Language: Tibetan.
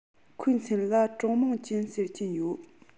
ཁོའི མཚན ལ ཀྲང མིང ཅུན ཟེར གྱི ཡོད